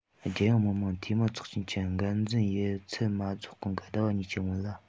རྒྱལ ཡོངས མི དམངས འཐུས མིའི ཚོགས ཆེན གྱི འགན འཛིན ཡུན ཚད མ རྫོགས གོང གི ཟླ བ གཉིས ཀྱི སྔོན ལ